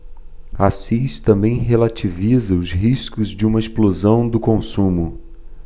assis também relativiza os riscos de uma explosão do consumo